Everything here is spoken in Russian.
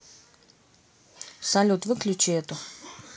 салют выключи эту